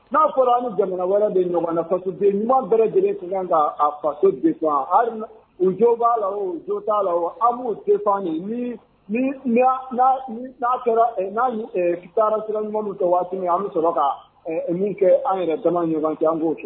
N'a fɔra an jamanawale de ɲɔgɔn faso ɲuman bɛ lajɛlen ka kan kan jo b'a la jo t'a la tefan na kɛra n'a futa taara sira ɲumanw ta waati an bɛ sɔrɔ ka min kɛ an yɛrɛ dama ɲɔgɔn kɛ an k'o kɛ